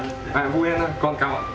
vui hôm nay